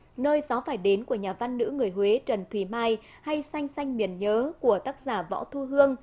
nơi gió phải đến của nhà văn nữ người huế trần thùy mai hay xanh xanh biển nhớ của tác giả võ thu hương